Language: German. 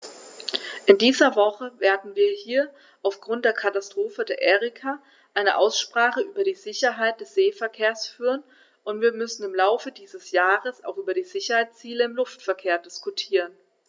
In dieser Woche werden wir hier aufgrund der Katastrophe der Erika eine Aussprache über die Sicherheit des Seeverkehrs führen, und wir müssen im Laufe dieses Jahres auch über die Sicherheitsziele im Luftverkehr diskutieren.